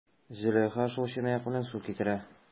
Зөләйха шул чынаяк белән су китерә.